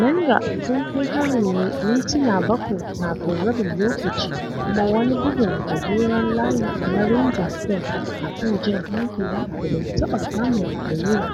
Menga sun kai harin ne mintina bakwai kafin rabin lokaci kuma wani bugun gajeren layi na Rangers din a kan jan hankali da bai taɓa kama da yin